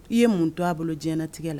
I ye mun to a bolo jiyɛnatigɛ la